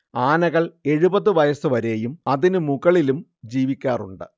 ആനകൾ എഴുപത് വയസ്സ് വരെയും അതിനു മുകളിലും ജീവിക്കാറുണ്ട്